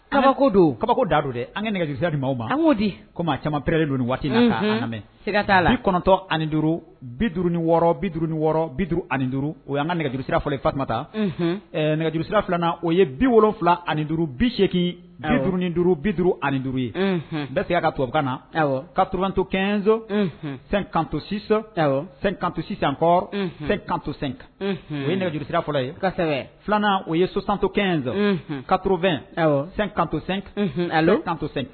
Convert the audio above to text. Kabako don kabako da don dɛ an ka nɛgɛsiraina maaw ma an di ko caman peree don waati lamɛ seiga' la an kɔnɔntɔn ani duuru bi duuru ni wɔɔrɔ bi duuru ni wɔɔrɔ bi duuru ani duuru o y'an ka nɛgɛgebsira fɔlɔ famata ɛ nɛgɛjurusira filanan o ye bi wolo wolonwula ani duuru bi8egin duru duuru bi duuru ani duuru ye bɛɛ se' ka tobabukan na katoto kɛnson san kansi san kan sisan kɔ san kan senka o ye nɛgɛurusira fɔlɔ yesɛ filanan o ye so santɔ kɛnz katouru2 san kantosen kansen